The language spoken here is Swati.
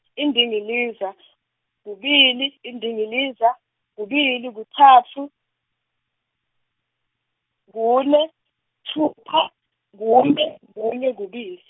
indingiliza kubili indingiliza kubili kutsatfu, kune sitfupha kune kunye kubili.